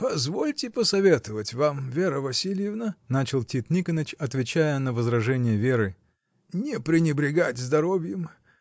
— Позвольте посоветовать вам, Вера Васильевна, — начал Тит Никоныч, отвечая на возражение Веры, — не пренебрегать здоровьем.